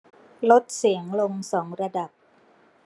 ลดเสียงลงสองระดับ